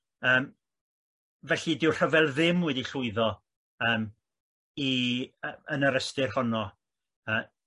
Yy felly dyw'r rhyfel ddim wedi'i llwyddo yym i yy yn yr restr honno yy